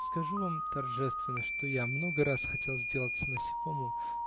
Скажу вам торжественно, что я много раз хотел сделаться насекомым.